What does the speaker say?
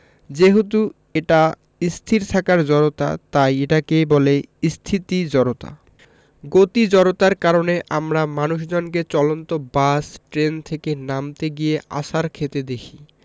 যেহেতু এটা স্থির থাকার জড়তা তাই এটাকে বলে স্থিতি জড়তা গতি জড়তার কারণে আমরা মানুষজনকে চলন্ত বাস ট্রেন থেকে নামতে গিয়ে আছাড় খেতে দেখি